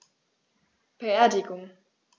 Beerdigung